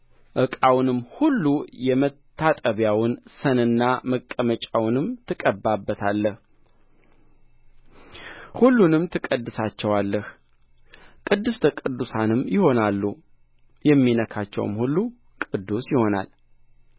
ዕቃውንም ሁሉ የመታጠቢያውን ሰንና መቀመጫውንም ትቀባበታለህ ሁሉንም ትቀድሳቸዋለህ ቅድስተ ቅዱሳንም ይሆናሉ የሚነካቸውም ሁሉ ቅዱስ ይሆናል